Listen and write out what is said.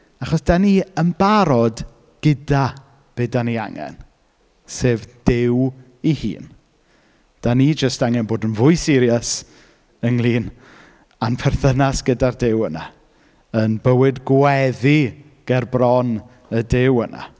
Achos dan ni yn barod gyda be dan ni angen, sef Duw ei hun. Dan ni jyst angen bod yn fwy serious ynglyn â'n perthynas gyda'r Duw yna, yn bywyd gweddi ger bron y Duw yna.